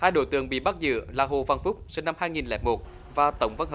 hai đối tượng bị bắt giữ là hồ văn phúc sinh năm hai nghìn lẻ một và tống phước